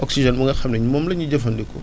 oxygène bu nga xam ni moom la ñuy jëfandikoo